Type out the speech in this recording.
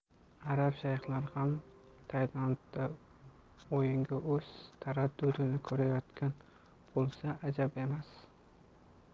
arab shayhlari ham taylandda o'yingga o'z taraddudini ko'rayotgan bo'lsa ajab emas